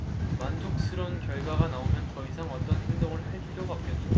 만족스러운 결과가 나오면 더 이상 어떤 행동을 할 필요가 없겠죠